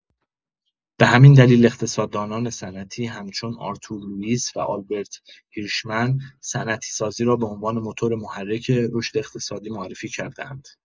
به همین دلیل اقتصاددانان صنعتی همچون آرتور لوئیس و آلبرت هیرشمن، صنعتی‌سازی را به‌عنوان موتور محرک رشد اقتصادی معرفی کرده‌اند.